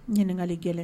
Ɲininkali gɛlɛn.